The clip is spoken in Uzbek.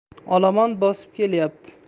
olomon bosib kelyapti